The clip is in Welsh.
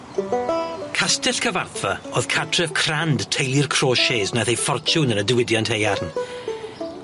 Castell Cyfarthfa o'dd cartref crand teulu'r Crauchetes nath eu ffortiwn yn y diwydiant haearn.